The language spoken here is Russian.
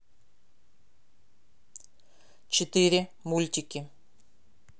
четыре мультики